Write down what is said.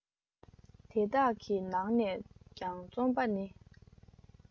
དེ དག གི ནང ནས ཀྱང རྩོམ པ ནི